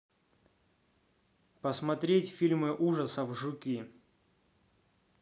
посмотреть фильмы ужасов жуки